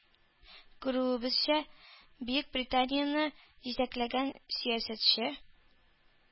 Күрүебезчә, Бөекбританияне җитәкләгән сәясәтче